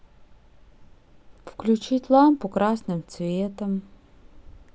включить лампу красным цветом